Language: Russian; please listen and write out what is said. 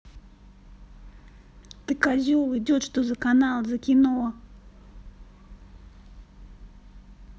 ты козел идет что за канал за кино